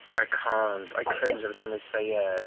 I can't, I cringe every time they say it.